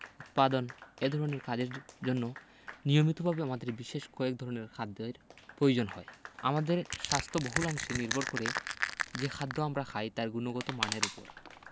উৎপাদন এ ধরনের কাজের জন্য নিয়মিতভাবে আমাদের বিশেষ কয়েক ধরনের খাদ্যের প্রয়োজন হয় আমাদের স্বাস্থ্য বহুলাংশে নির্ভর করে যে খাদ্য আমরা খাই তার গুণগত মানের ওপর